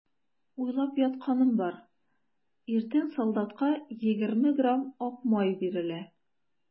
Уйлап ятканым бар: иртән солдатка егерме грамм ак май бирелә.